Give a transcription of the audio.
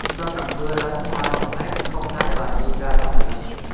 sau trận mưa lớn hoa rụng hết không thấy bà nhi ra đó nữa